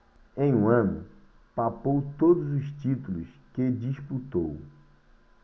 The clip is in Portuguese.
em um ano papou todos os títulos que disputou